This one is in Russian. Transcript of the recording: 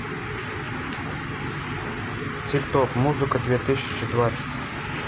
тик ток музыка две тысячи двадцать